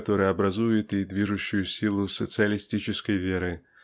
который образует и движущую силу социалистической веры